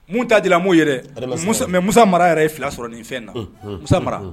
Mun taa jira' yɛrɛ mɛ mu mara yɛrɛ ye fila sɔrɔ nin fɛn na mu mara